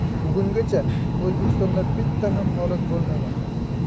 bugungacha o'zbekistonda bitta ham holat bo'lmagan